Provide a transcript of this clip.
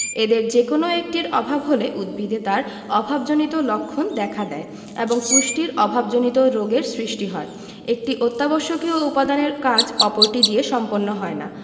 এদের যেকোনো একটির অভাব হলে উদ্ভিদে তার অভাবজনিত লক্ষণ দেখা দেয় এবং পুষ্টির অভাবজনিত রোগের সৃষ্টি হয় একটি অত্যাবশ্যকীয় উপাদানের কাজ অপরটি দিয়ে সম্পন্ন হয় না